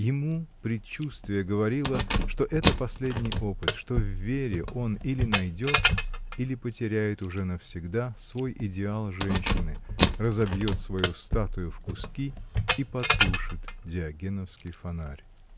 Ему предчувствие говорило, что это последний опыт, что в Вере он или найдет, или потеряет уже навсегда свой идеал женщины, разобьет свою статую в куски и потушит диогеновский фонарь.